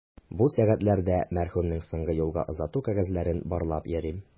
Бу сәгатьләрдә мәрхүмнең соңгы юлга озату кәгазьләрен барлап йөрим.